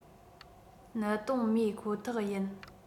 གནད དོན མེད ཁོ ཐག ཡིན